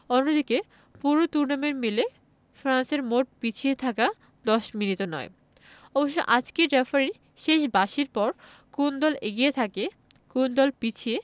অন্যদিকে পুরো টুর্নামেন্ট মিলে ফ্রান্সের মোট পিছিয়ে থাকা ১০ মিনিটও নয় অবশ্য আজকের রেফারির শেষ বাঁশির পর কোন দল এগিয়ে থাকে কোন দল পিছিয়ে